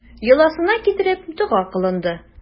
Йоласына китереп, дога кылынды.